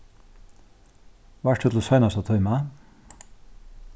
vart tú til seinasta tíma